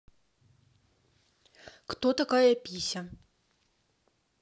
кто такая пися